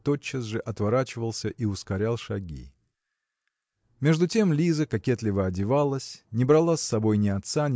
тотчас же отворачивался и ускорял шаги. Между тем Лиза кокетливо одевалась не брала с собой ни отца